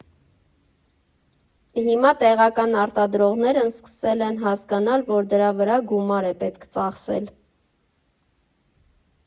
Հիմա տեղական արտադրողներն սկսել են հասկանալ, որ դրա վրա գումար է պետք ծախսել։